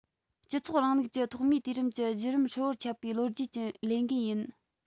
སྤྱི ཚོགས རིང ལུགས ཀྱི ཐོག མའི དུས རིམ གྱི བརྒྱུད རིམ ཧྲིལ པོར ཁྱབ པའི ལོ རྒྱུས ཀྱི ལས འགན ཡིན